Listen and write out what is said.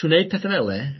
trw neud petha fel 'e